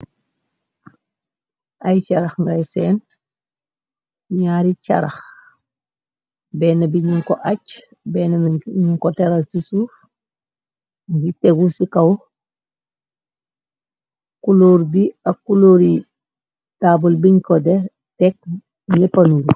Ay carax ngay seen ñaari charax, benn bi nun ko ach benn bi nu ko teral ci suuf nyu ngi tegu ci kaw kulóor bi ak kulóor yi taabal biñ ko dex tekk neppanugu.